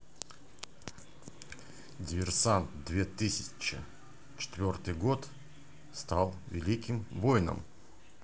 диверсант две тысячи четвертый год